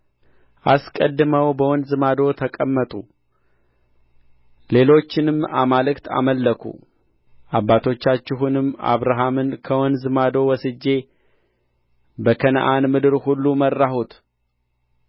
አስቀድመው በወንዝ ማዶ ተቀመጡ ሌሎችንም አማልክት አመለኩ አባታችሁንም አብርሃምን ከወንዝ ማዶ ወስጄ በከነዓን ምድር ሁሉ መራሁት